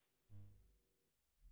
будешь моей подругой